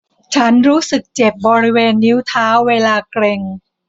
ฉันรู้สึกเจ็บบริเวณนิ้วเท้าเวลาเกร็ง